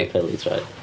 Neu peli traed.